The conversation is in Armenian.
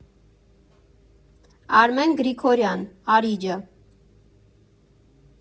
Արմեն Գրիգորյան, «Արիջա»